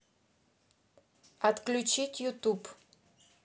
отключить ютуб